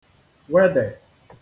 wedè